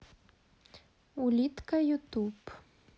улитка ютуб